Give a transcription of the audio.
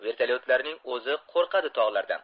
vertolyotlarning o'zi qo'rqadi tog'lardan